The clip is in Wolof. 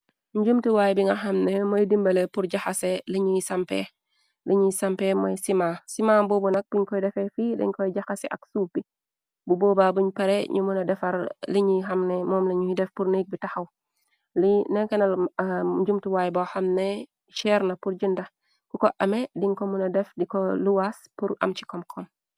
Njumtiwaay bi nga xamne mooy dimbale pur jaxase liñuy sampee mooy sima simaan boobu nag puñ koy defe fi dañ koy jaxase ak suupi bu booba buñ pare ñu mëna defar liñuy xamne moom lañuy def purnek bi taxaw nekk na njumtuwaay bo xamne cheerna pur jinda ku ko ame dinko muna def diko luas pur am ci komkom.